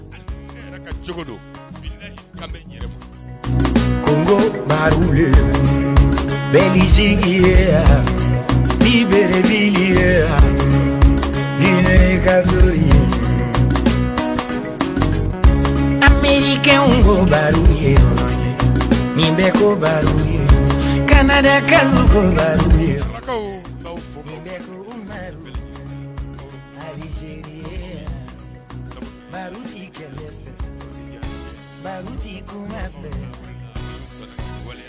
Kungo ba bɛse ye ni bere tilekaurun ye miniyankɛ kun kulubali ye min bɛ ko kulubali ye ka kaku kulubalise ye ba kun